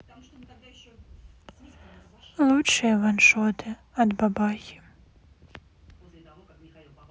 лучшие ваншоты от бабахи